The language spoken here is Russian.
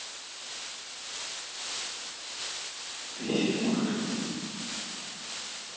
письки покажи